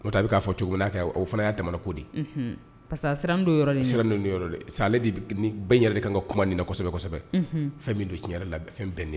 O a bɛ k'a fɔ cogo min kɛ o fana y'a tɛm ko di parce que siran sa ale de ni bɛɛ yɛrɛ de kan ka kuma ni kosɛbɛ kosɛbɛ fɛn min don tiɲɛ yɛrɛ la fɛn bɛɛ de